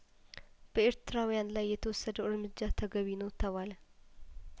በኤርትራውያን ላይ የተወሰደው እርምጃ ተገቢ ነው ተባለ